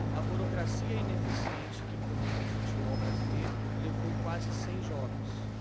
a burocracia ineficiente que comanda o futebol brasileiro levou quase cem jogos